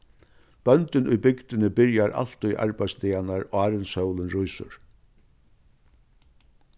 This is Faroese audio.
bóndin í bygdini byrjar altíð arbeiðsdagarnar áðrenn sólin rísur